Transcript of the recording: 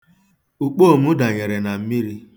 Ukpoo m danyere na mmiri.